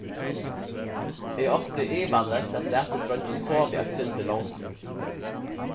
eg átti ivaleyst at latið dreingin sovið eitt sindur longur